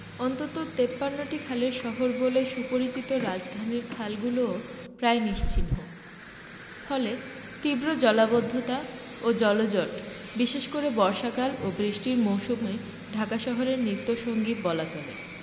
অন্তত ৫৩টি খালের শহর বলে সুপরিচিত রাজধানীর খালগুলোও প্রায় নিশ্চিহ্ন ফলে তীব্র জলাবদ্ধতা ও জলজট বিশেষ করে বর্ষাকাল ও বৃষ্টির মৌসুমে ঢাকা শহরের নিত্যসঙ্গী বলা চলে